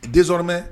Dɛsɛ sɔrɔ mɛn